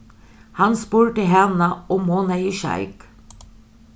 hann spurdi hana um hon hevði sjeik